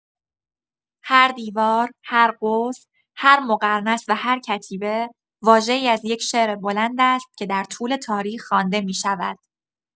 هر دیوار، هر قوس، هر مقرنس و هر کتیبه، واژه‌ای از یک شعر بلند است که در طول تاریخ خوانده می‌شود.